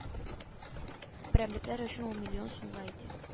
Берәмлекләр өчен ул миллион сумга итә